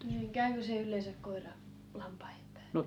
käykö se yleensä koira lampaiden päälle